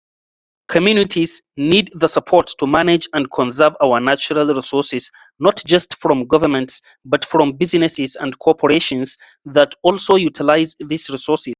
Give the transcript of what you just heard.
Communities need the support to manage and conserve our natural resources not just from governments but from businesses and corporations that also utilise these resources.